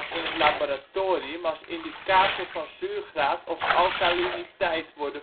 in het laboratorium als indicator van zuurtegraad of alkaliteit wordt